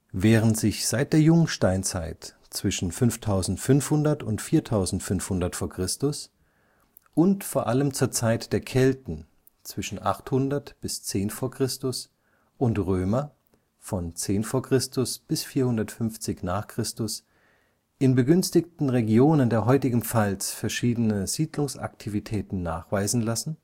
Während sich seit der Jungsteinzeit (5500 – 4500 v. Chr.) und vor allem zur Zeit der Kelten (800 bis 10 v. Chr.) und Römer (10 v. Chr. bis 450 n. Chr.) in begünstigten Regionen der heutigen Pfalz verschiedene Siedlungsaktivitäten nachweisen lassen